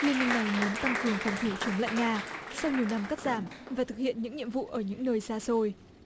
liên minh này muốn tăng cường phòng thủ chống lại nga sau nhiều năm cắt giảm và thực hiện những nhiệm vụ ở những nơi xa xôi